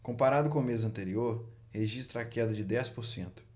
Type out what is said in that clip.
comparado com o mês anterior registra queda de dez por cento